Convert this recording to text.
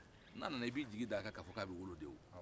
n'a nana i b'i jigi d'a kan ka fɔ k'a bɛ wolo de o